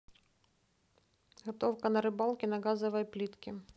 готовка на рыбалке на газовой плитке